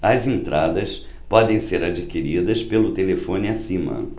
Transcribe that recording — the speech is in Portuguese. as entradas podem ser adquiridas pelo telefone acima